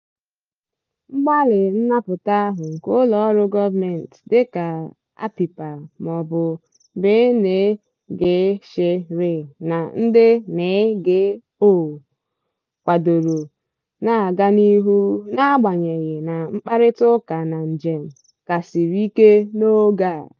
Mgbalị nnapụta ahụ, nke ụlọọrụ gọọmentị dịka Apipa maọbụ BNGCR na ndị NGO kwadoro, na-aga n'ihu n'agbanyeghị na mkparịtaụka na njem ka siri ike n'oge a.